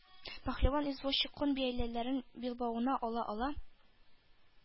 Пәһлеван извозчик күн бияләйләрен билбавыннан ала-ала: